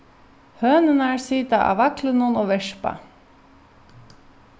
hønurnar sita á vaglinum og verpa